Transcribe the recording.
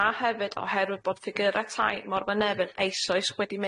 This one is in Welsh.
a hefyd oherwydd bod ffigyre tai Morfa Nefyn eisoes wedi